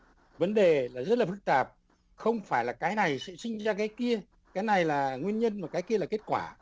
vấn đề là rất là phức tạp không phải là cái này sẽ sinh ra cái kia cái này là nguyên nhân mà cái kia là kết quả